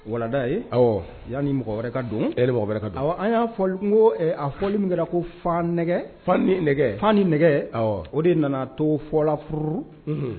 Warada ye, awɔ, yani mɔgɔ wɛrɛ ka don yani mɔgɔ wɛrɛ ka don awɔ an y'a fɔ ko a fɔli min kɛra ko fan nɛgɛ, fan ni nɛgɛ fa ni nɛgɛ, awɔ, o de nana to fɔla furururu